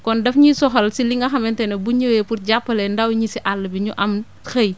kon daf ñuy soxal ci li nga xamante ne bu ñëwee pour jàppale ndaw ñi si àll bi ñu am xëy